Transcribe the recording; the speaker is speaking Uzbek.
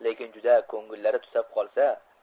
lekin juda ko'ngillari tusab qolsa